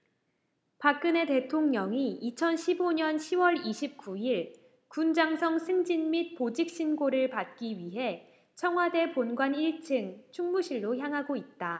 박근혜 대통령이 이천 십 오 년 시 월 이십 구 일 군 장성 승진 및 보직신고를 받기 위해 청와대 본관 일 층 충무실로 향하고 있다